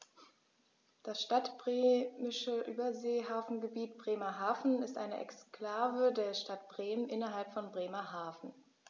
Das Stadtbremische Überseehafengebiet Bremerhaven ist eine Exklave der Stadt Bremen innerhalb von Bremerhaven.